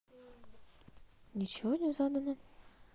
ничего не задано